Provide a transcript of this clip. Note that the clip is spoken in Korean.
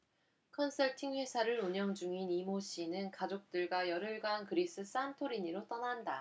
컨설팅 회사를 운영 중인 이 모 씨는 가족들과 열흘간 그리스 산토리니로 떠난다